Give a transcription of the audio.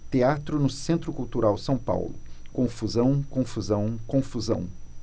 teatro no centro cultural são paulo confusão confusão confusão